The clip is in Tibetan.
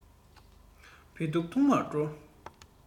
བོད ཐུག འཐུང བར འགྲོ